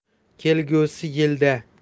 kelgusi yilda